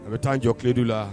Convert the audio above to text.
A be taa jɔ Kiledu la